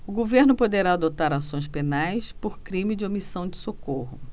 o governo poderá adotar ações penais por crime de omissão de socorro